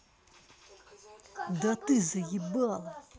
да ты заебала